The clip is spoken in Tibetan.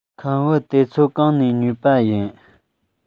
ཁམ བུ དེ ཚོ གང ནས ཉོས པ ཡིན